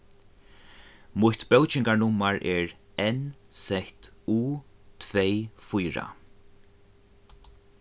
mítt bókingarnummar er n z u tvey fýra